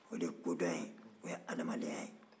o de ye kodɔn ye o ye adamadenya ye